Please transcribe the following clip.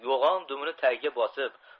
yo'g'on dumini tagiga bosib